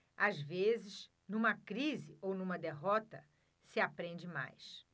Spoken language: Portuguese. às vezes numa crise ou numa derrota se aprende mais